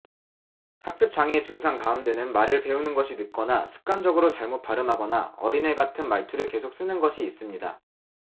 학습 장애의 증상 가운데는 말을 배우는 것이 늦거나 습관적으로 잘못 발음하거나 어린애 같은 말투를 계속 쓰는 것이 있습니다